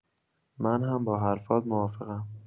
من هم با حرفات موافقم.